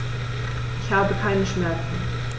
Ich habe keine Schmerzen.